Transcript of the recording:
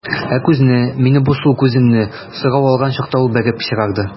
Ә күзне, минем бу сул күземне, сорау алган чакта ул бәреп чыгарды.